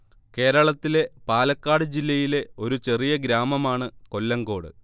കേരളത്തിലെ പാലക്കാട് ജില്ലയിലെ ഒരു ചെറിയ ഗ്രാമമാണ് കൊല്ലങ്കോട്